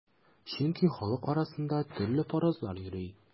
Чөнки халык арасында төрле фаразлар йөри.